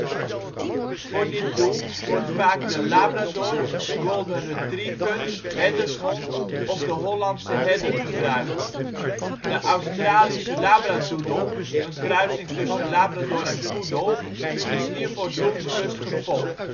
Voor dit doel wordt vaak de Labrador, Golden retriever, Herdershond, of de Hollandse herder gebruikt. De Australische labradoodle, een kruising tussen labrador en poedel is hiervoor doelbewust gefokt